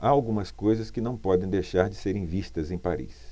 há algumas coisas que não podem deixar de serem vistas em paris